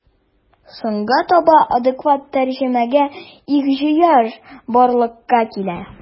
Соңга таба адекват тәрҗемәгә ихҗыяҗ барлыкка килә.